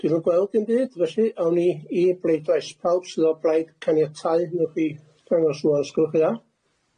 Dwi'm yn gweld dim byd, felly awn ni i bleidlais. Pawb sydd o blaid caniatáu, newch chi ddangos rŵan os gwelwch chi'n dda.